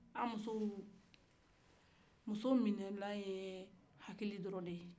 muso minɛ nan ye hakioli de ye